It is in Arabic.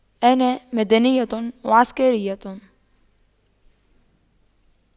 انا مدنية وعسكرية